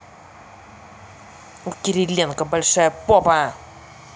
у кириленко большая попа